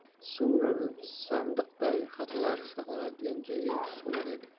so'ngra uni sandiqdagi xatlar saqlanadigan joyga solar edi